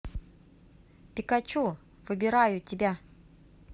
пикачу выбираю тебя